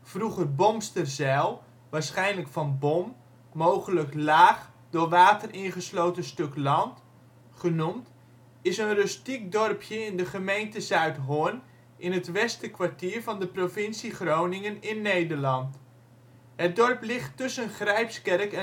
vroeger Bomsterzijl (waarschijnlijk van ' bom '; mogelijk " laag, door water ingesloten stuk land ") genoemd, is een rustiek dorpje in de gemeente Zuidhorn in het Westerkwartier van de provincie Groningen (Nederland). Het dorp ligt tussen Grijpskerk